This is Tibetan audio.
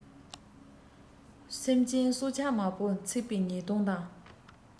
སེམས ཅན སྲོག ཆགས མང པོ འཚིགས པའི ཉེས ལྟུང དང